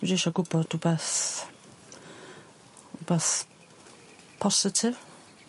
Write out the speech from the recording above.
Dwi jys sho gwbod rwbeth wbath positif.